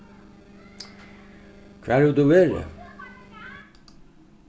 hvar hevur tú verið